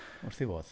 Wrth ei fodd.